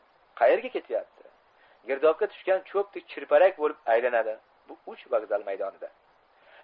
qaerga ketyapti girdobga tushgan cho'pdek chirpirak bo'lib aylanadi bu uch vokzal maydonida